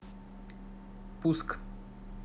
пуск